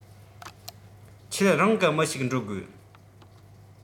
ཁྱེད རང གི མི ཞིག འགྲོ དགོས